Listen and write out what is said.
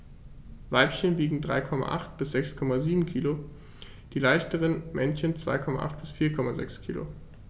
Weibchen wiegen 3,8 bis 6,7 kg, die leichteren Männchen 2,8 bis 4,6 kg.